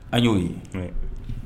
An y'o ye, wɛ wɛ.